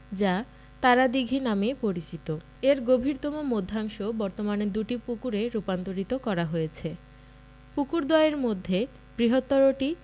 যা তারা দিঘি নামে পরিচিত এর গভীরতম মধ্যাংশ বর্তমানে দুটি পুকুরে রূপান্তরিত করা হয়েছে পুকুরদ্বয়ের মধ্যে বৃহত্তরটি